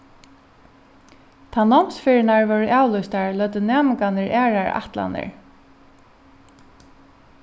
tá námsferðirnar vórðu avlýstar løgdu næmingarnar aðrar ætlanir